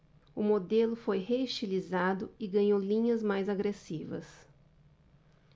o modelo foi reestilizado e ganhou linhas mais agressivas